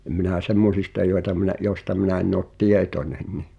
en minä semmoisista joita minä joista minä en ole tietoinen niin